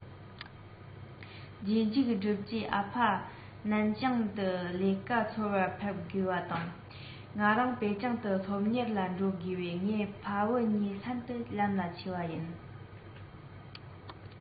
རྗེས འཇུག བསྒྲུབས རྗེས ཨ ཕ ནན ཅིང དུ ལས ཀ འཚོལ བར ཕེབས དགོས པ དང ང རང པེ ཅིང དུ སློབ གཉེར ལ འགྲོ དགོས པས ངེད ཕ བུ གཉིས ལྷན དུ ལམ ལ ཆས པ ཡིན